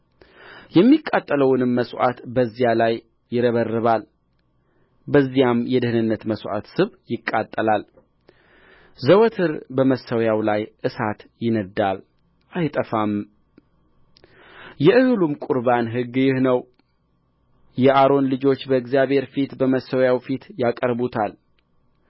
የሚቃጠለውንም መሥዋዕት በዚያ ላይ ይረበርባል በዚያም የደኅንነትን መሥዋዕት ስብ ያቃጥላል ዘወትር በመሠዊያው ላይ እሳት ይነድዳል አይጠፋም የእህሉም ቍርባን ሕግ ይህ ነው የአሮን ልጆች በእግዚአብሔር ፊት በመሠዊያው ፊት ያቀርቡታል